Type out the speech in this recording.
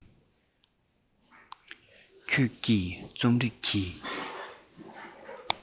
ཁྱོད ཀྱིས རྩོམ རིག གི